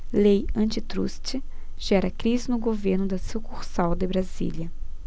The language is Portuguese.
lei antitruste gera crise no governo da sucursal de brasília